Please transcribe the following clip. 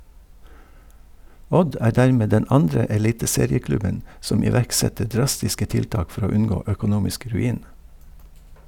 Odd er dermed den andre eliteserieklubben som iverksetter drastiske tiltak for å unngå økonomisk ruin.